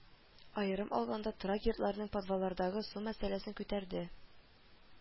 Аерым алганда, торак йортларның подваллырдагы су мәсьәләсен күтәрде